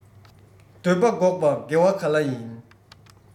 འདོད པ འགོག པ དགེ བ ག ལ ཡིན